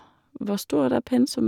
Hvor stort er pensum?